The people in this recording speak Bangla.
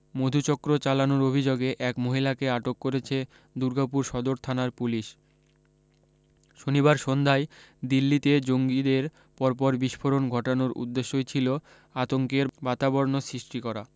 মধুচক্র চালানোর অভি্যোগে এক মহিলাকে আটক করেছে দুর্গাপুর সদর থানার পুলিশ শনিবার সন্ধ্যায় দিল্লীতে জঙ্গিদের পরপর বিস্ফোরণ ঘটানোর উদ্দেশ্যই ছিল আতঙ্কের বাতাবর্ণ সৃষ্টি করা